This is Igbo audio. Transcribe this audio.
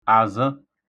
àzə̣